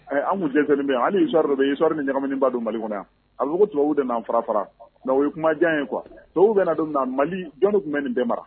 An jɛ an sɔrirodɔissuri ni ɲamani b'a mali kɔnɔna a ko tubabu de an fara fara mɛ o ye kumajan ye kuwa dɔwbabu bɛna don mali jɔnni tun bɛ nin bɛn mara